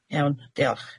Iawn, diolch.